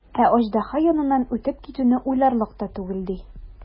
Ә аждаһа яныннан үтеп китүне уйларлык та түгел, ди.